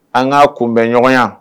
An k'a kunbɛn ɲɔgɔn